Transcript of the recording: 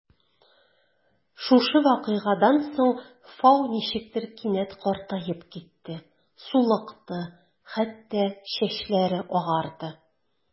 Шушы вакыйгадан соң Фау ничектер кинәт картаеп китте: сулыкты, хәтта чәчләре агарды.